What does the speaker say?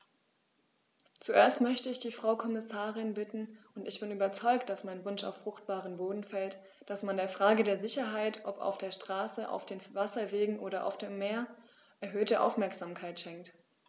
Zuerst möchte ich die Frau Kommissarin bitten - und ich bin überzeugt, dass mein Wunsch auf fruchtbaren Boden fällt -, dass man der Frage der Sicherheit, ob auf der Straße, auf den Wasserwegen oder auf dem Meer, erhöhte Aufmerksamkeit schenkt.